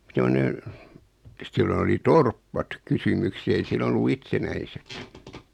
semmoinen että silloin oli torpat kysymyksessä ei silloin ollut itsenäiset